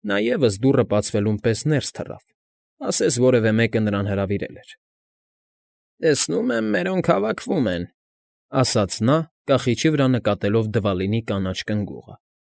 Նա ևս դուռը բացվելուն պես ներս թռավ, ասես որևէ մեկը նրան հրավիրել էր։ ֊ Տեսնում եմ, մերոնք հավաքվում են, ֊ ասաց նա՝ կախիչի վրա նկատելով Դվալինի կանաչ կնգուղը։